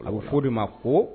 A bɛ fɔ de ma fo